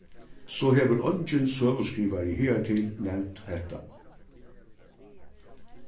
so hevur eingin søguskrivari higartil nevnt hetta